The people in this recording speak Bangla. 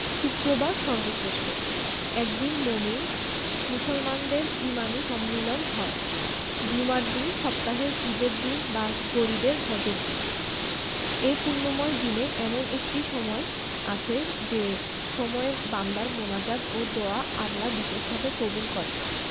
শুক্রবার সর্বশ্রেষ্ঠ একদিন মোমিন মুসলমানদের ইমানি সম্মিলন হয় জুমার দিন সপ্তাহের ঈদের দিন বা গরিবের হজের দিন এ পুণ্যময় দিনে এমন একটি সময় আছে যে সময় বান্দার মোনাজাত ও দোয়া আল্লাহ বিশেষভাবে কবুল করেন